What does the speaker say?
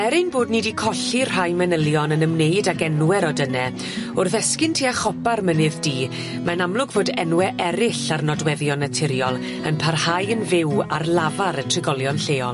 Er ein bod ni 'di colli rhai manylion yn ymwneud ag 'renwe odyne wrth esgyn tua chopa'r Mynydd Du mae'n amlwg fod enwe eryll ar nodweddion naturiol yn parhau yn fyw ar lafar y trigolion lleol.